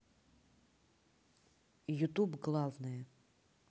ютуб главное